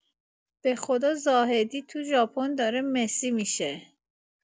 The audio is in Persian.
بخدا زاهدی تو ژاپن داره مسی می‌شه.